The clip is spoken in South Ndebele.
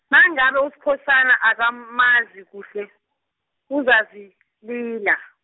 nangabe Uskhosana akam- -mazi kuhle, uzazilila.